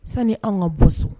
Sani anw ŋa bɔ so